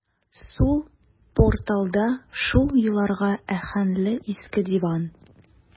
Сул порталда шул елларга аһәңле иске диван.